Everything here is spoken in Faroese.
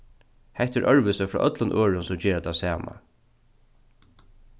hetta er øðrvísi frá øllum øðrum sum gera tað sama